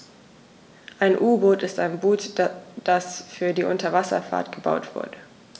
Ein U-Boot ist ein Boot, das für die Unterwasserfahrt gebaut wurde.